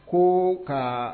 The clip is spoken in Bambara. Ko ka